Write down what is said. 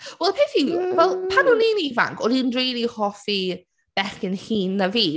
Wel, y peth yw, fel pan o'n i'n ifanc, o'n i'n rili hoffi bechgyn hŷn na fi...